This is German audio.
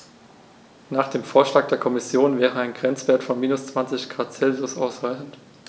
Nach dem Vorschlag der Kommission wäre ein Grenzwert von -20 ºC ausreichend.